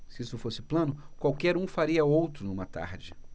se isso fosse plano qualquer um faria outro numa tarde